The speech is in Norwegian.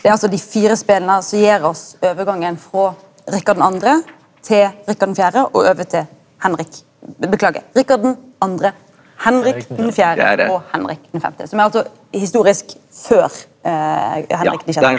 det er altså dei fire spela som gjev oss overgangen frå Rikard den andre til Rikard den fjerde og over til Henrik beklagar Rikard den andre, Henrik den fjerde og Henrik den femte, som er altså historisk før Henrik den sjette.